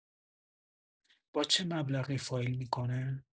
با چه مبلغی فایل می‌کنه؟